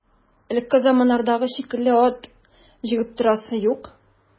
Элекке заманнардагы шикелле ат җигеп торасы юк.